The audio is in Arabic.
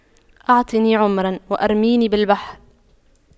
اعطني عمرا وارميني بالبحر